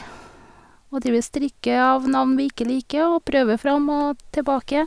Og driver og stryker av navn vi ikke liker og prøver fram og tilbake.